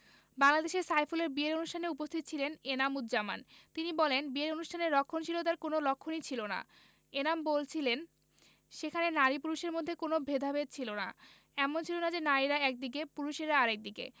বাংলাদেশে সাইফুলের বিয়ের অনুষ্ঠানেও উপস্থিত ছিলেন এনাম উজজামান তিনি বলেন বিয়ের অনুষ্ঠানে রক্ষণশীলতার কোনো লক্ষণই ছিল না এনাম বলছিলেন সেখানে নারী পুরুষের মধ্যে কোনো ভেদাভেদ ছিল না এমন ছিল না যে নারীরা একদিকে পুরুষেরা আরেক দিকে